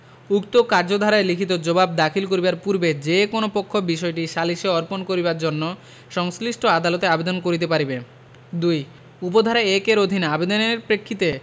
উক্ত কার্যধারায় লিখিত জবাব দাখিল করিবার পূর্বে যে কোন পক্ষ বিষয়টি সালিসে অর্পণ করিবার জন্য সংশ্লিষ্ট আদালতে আবেদন করিতে পারিবে ২ উপ ধারা ১ এর অধীন আবেদনের প্রেক্ষিতে